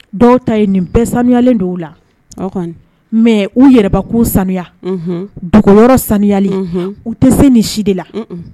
Dɔw ta ye nin bɛɛ sanuyali d'u la,o kɔnni, mais u yɛrɛ bakun sanuya, unhun, dɔgɔ yɔrɔ sanuyali u tɛ se nin si de la.